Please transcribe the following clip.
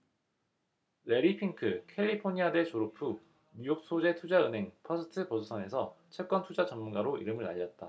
래리 핑크 캘리포니아대 졸업 후 뉴욕 소재 투자은행 퍼스트 보스턴에서 채권투자 전문가로 이름을 날렸다